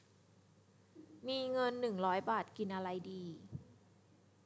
มีเงินหนึ่งร้อยบาทกินอะไรดี